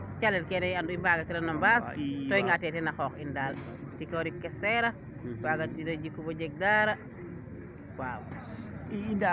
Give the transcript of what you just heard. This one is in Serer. calel keene i andu i mbaga tirano mbaas to i nga a te teen a qoox in daal tikoorik ke seera waaga tiro jiku boo jeg dara waaw